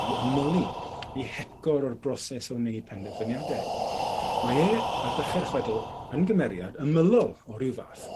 'i ymylu, 'i hepgor o'r broses o wneud penderfyniade. Mae e ar ddechre'r chwedl yn gymeriad ymylo o ryw fath.